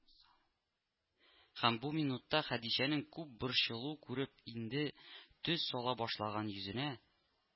Һәм бу минутта хәдичәнең күп борчылу күреп инде төс сала башлаган йөзенә